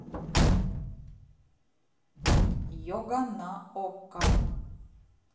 йога на окко